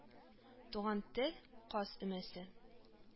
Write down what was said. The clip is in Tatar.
Туган тел , Каз өмәсе